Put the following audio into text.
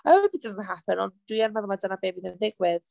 I hope it doesn't happen ond dwi yn meddwl mai dyna be fydd yn digwydd.